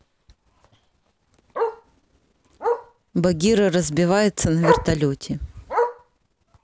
багира разбивается на вертолете